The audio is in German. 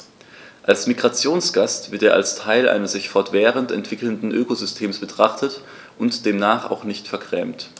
Als Migrationsgast wird er als Teil eines sich fortwährend entwickelnden Ökosystems betrachtet und demnach auch nicht vergrämt.